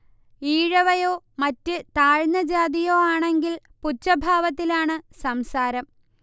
ഈഴവയോ മറ്റ് താഴ്ന്ന ജാതിയോ ആണെങ്കിൽ പുച്ഛഭാവത്തിലാണ് സംസാരം